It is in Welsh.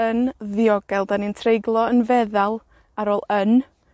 yn ddiogel 'dan ni'n treiglo yn feddal ar ôl yn